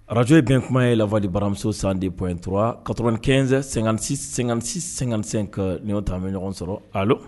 Arajo bɛn kuma ye la de baramuso san de bɔtɔ katkɛɛnsisɛgsɛn ka nintaa bɛ ɲɔgɔn sɔrɔ a